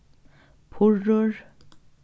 purrur